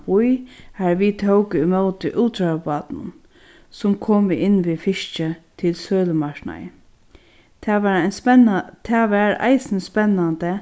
bý har vit tóku ímóti útróðrarbátunum sum komu inn við fiski til sølumarknaðin tað var eisini spennandi